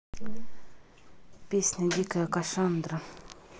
песня дикая кошандра